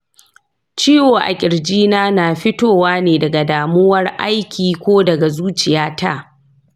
ciwo a ƙirjina na fitowa ne daga damuwar aiki ko daga zuciyata?